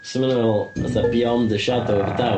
So ma' nw'n meddwl fatha beyond a shadow of a doubt?